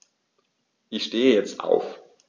Ich stehe jetzt auf.